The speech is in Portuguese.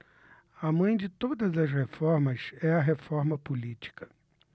a mãe de todas as reformas é a reforma política